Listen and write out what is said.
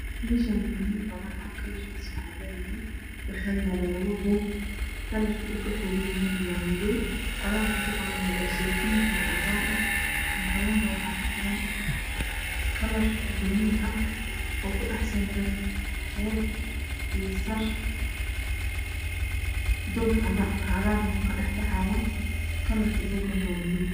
Meshan wa meel baan ah kalrkiisa cadan yahy waxa yalo lapo puug kalrka uu kakoopan yahna wa qoraalka ku qorana waa zeytuun iyo cadaan ah kan klana waxa ku qoran kalar baluug aha oo kudhax sawiran xeeb iyo sar daag cagaarna wuu kadhax baxaaya kalarka buugaan wa amadow